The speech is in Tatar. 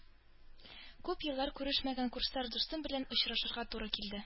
Күп еллар күрешмәгән курсташ дустым белән очрашырга туры килде